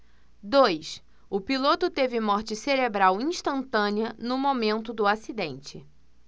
dois o piloto teve morte cerebral instantânea no momento do acidente